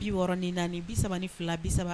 64 32 30